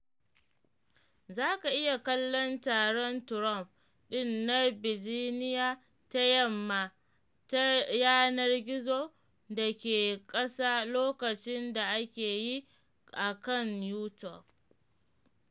Za ka iya kallon taron Trump ɗin na Virginia ta Yamma ta yanar gizo da ke ƙasa lokacin da ake yi a kan YouTube.